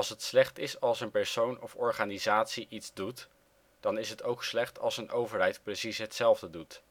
het slecht is als een persoon of organisatie iets doet, dan is het ook slecht als een overheid precies hetzelfde doet